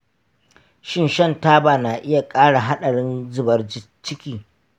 shin shan taba na iya ƙara haɗarin zubar ciki?